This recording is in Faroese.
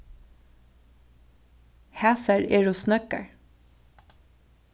hasar eru snøggar